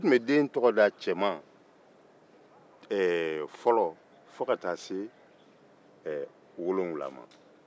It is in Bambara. u tun bɛ den tɔgɔ da cɛman fɔlɔ fo ka taa se wolonfila ma